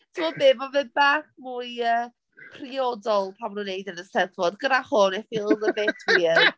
Timod be mae fe bach mwy yy priodol pan maen nhw'n wneud e'n yr Eisteddfod. Gyda hwn it feels a bit weird .